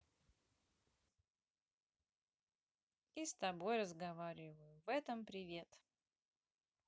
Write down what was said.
и с тобой разговариваю в этом привет